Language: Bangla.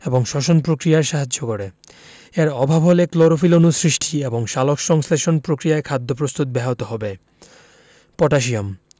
এবং শ্বসন প্রক্রিয়ায় সাহায্য করে এর অভাব হলে ক্লোরোফিল অণু সৃষ্টি এবং সালোকসংশ্লেষণ প্রক্রিয়ায় খাদ্য প্রস্তুত ব্যাহত হবে পটাশিয়াম